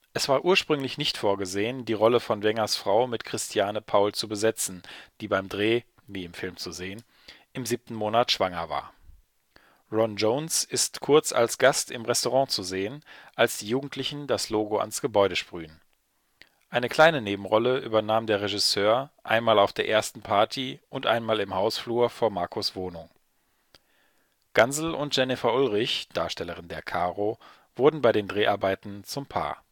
Es war ursprünglich nicht vorgesehen, die Rolle von Wengers Frau mit Christiane Paul zu besetzen, die beim Dreh – wie im Film zu sehen – im siebten Monat schwanger war. Ron Jones ist kurz als Gast im Restaurant zu sehen, als die Jugendlichen das Logo ans Gebäude sprühen. Eine kleine Nebenrolle übernahm der Regisseur, einmal auf der ersten Party und einmal im Hausflur vor Marcos Wohnung. Gansel und Jennifer Ulrich, Darstellerin der Karo, wurden bei den Dreharbeiten zum Paar